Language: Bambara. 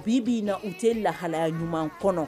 Bi'i u tɛ lahalaya ɲuman kɔnɔ